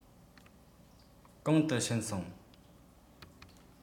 གང དུ ཕྱིན སོང